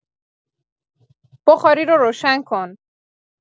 بخاری رو روشن کن